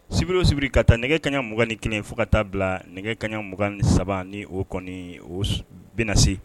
Sibiri o sibiri ka taa nɛgɛ kanɲɛ 21 fo ka taa bila nɛgɛ kanɲɛ 23 ni o kɔni o su bɛna se